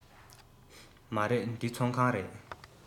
མ རེད འདི ཚོང ཁང རེད